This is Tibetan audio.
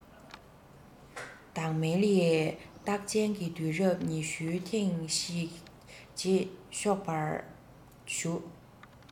བདག མེལ ཡའི རྟགས ཅན གྱི དུས རབས ཉི ཤུའི ཐེངས ཤིག བྱེད ཆོག པར ཞུ